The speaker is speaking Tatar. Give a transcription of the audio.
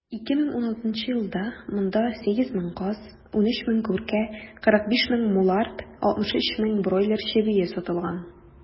2016 елда монда 8 мең каз, 13 мең күркә, 45 мең мулард, 63 мең бройлер чебие сатылган.